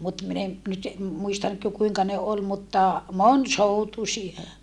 mutta minä en nyt muista nytkö kuinka ne oli mutta monisoutuisia